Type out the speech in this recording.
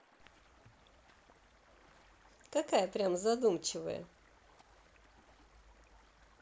какая прямо задумчивая